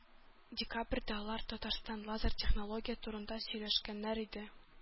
Декабрьдә алар Татарстанда лазер технология турында сөйләшкәннәр иде.